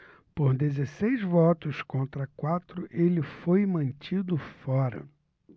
por dezesseis votos contra quatro ele foi mantido fora